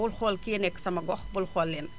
bul xool kii a nekk sama gox bul xool lenn